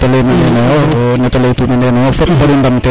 kete leyna nene yo nete leytuna neen yo fop mbaru ndam ten